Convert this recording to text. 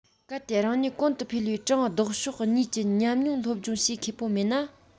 གལ ཏེ རང ཉིད གོང དུ འཕེལ བའི དྲང ལྡོག ཕྱོགས གཉིས ཀྱི ཉམས མྱོང སློབ སྦྱོང བྱེད མཁས པོ མེད ན